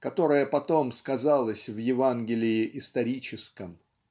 которое потом сказалось в Евангелии историческом